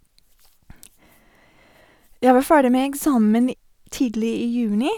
Jeg var ferdig med eksamen tidlig i juni.